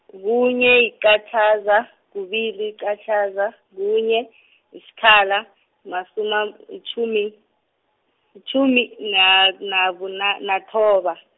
kunye, yiqatjhaza, kubili, yiqatjhaza, kunye , yisikhala, masuma yitjhumi, yitjhumi, nak- naku- na- nathoba.